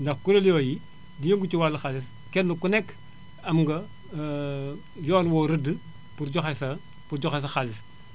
ndax kuréel yooyu di yëngu ci wàllu xaalis kenn ku nekk am nga yoon woo rëdd pour joxe sa joxe sa xaalis